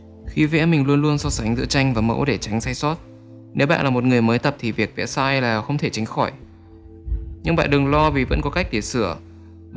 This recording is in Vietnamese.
khi vẽ mình luôn luôn so sánh giữa tranh và mẫu để tránh sai sót nếu bạn là người mới tập thì việc vẽ sai là không thể tránh khỏi nhưng bạn đừng lo vì vẫn có cách để sửa